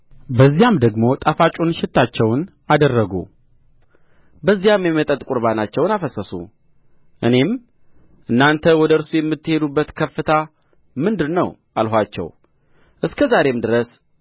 በዚያም ደግሞ ጣፋጩን ሽታቸውን አደረጉ በዚያም የመጠጥ ቍርባናቸውን አፈሰሱ እኔም እናንተ ወደ እርሱ የምትሄዱበት ከፍታ ምንድር ነው አልኋቸው እስከ ዛሬም ድረስ